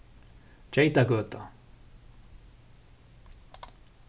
geytagøta